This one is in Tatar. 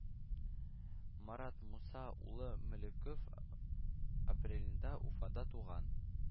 Марат Муса улы Мөлеков апрелендә Уфада туган